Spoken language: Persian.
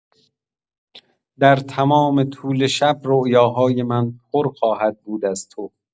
در تمام طول شب رویاهای من پر خواهد بود از تو!